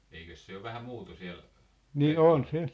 eikös se jo vähän muutu siellä Vehkalahdella